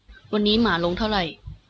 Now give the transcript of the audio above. วันนี้หมาลงเท่าไหร่